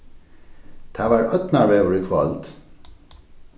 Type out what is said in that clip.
tað var ódnarveður í kvøld